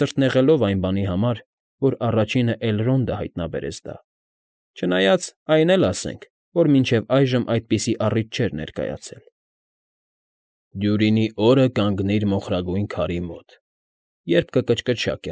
Սրտնեղելով այն բանի համար, որ առաջինը Էլրոնդը հայտնաբերեց դա, չնայած, այն էլ ասենք, որ մինչև այժմ այդպիսի առիթ չէր ներկայացել։ ֊ «Դյուրինի օրը կանգնիր մոխարգույն քարի մոտ, երբ կկչկչա։